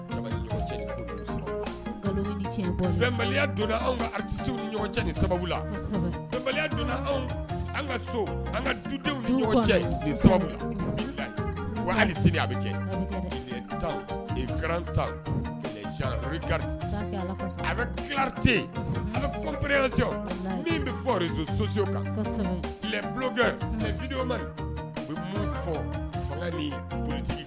Ni an ka dudenw ali bɛta a bɛ ki bɛ min bɛ kankɛ bɛ fɔ